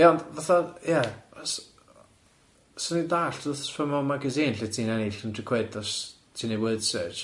Ia ond fatha ia os... Swn i'n dallt os sa fo'n magazine lle ti'n ennill hundred quid os ti'n 'neu' word search.